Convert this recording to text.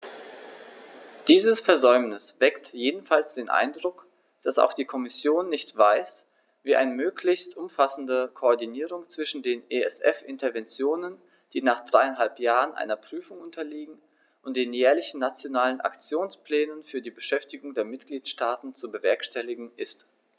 Dieses Versäumnis weckt jedenfalls den Eindruck, dass auch die Kommission nicht weiß, wie eine möglichst umfassende Koordinierung zwischen den ESF-Interventionen, die nach dreieinhalb Jahren einer Prüfung unterliegen, und den jährlichen Nationalen Aktionsplänen für die Beschäftigung der Mitgliedstaaten zu bewerkstelligen ist.